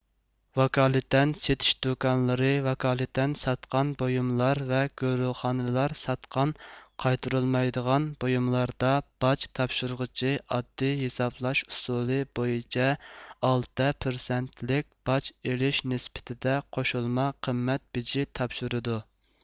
ۋاكالىتەن سېتىش دۇكانلىرى ۋاكالىتەن ساتقان بويۇملار ۋە گۆرۆخانىلار ساتقان قايتۇرۇلمايدىغان بۇيۇملاردا باج تاپشۇرغۇچى ئاددىي ھېسابلاش ئۇسۇلى بويىچە ئالتە پىرسەنتلىك باج ئېلىش نىسبىتىدە قوشۇلما قىممەت بېجى تاپشۇرىدۇ